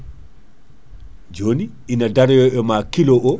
* joni ina daroyo e ma kilo o